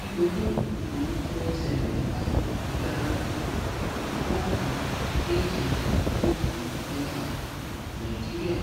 Lílo kóòdù kúkúrú fún SMS agbègbè ní Ghana (1713), Nàìjíríà